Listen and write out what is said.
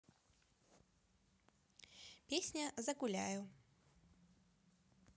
песня загуляю